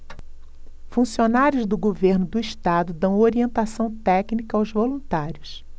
funcionários do governo do estado dão orientação técnica aos voluntários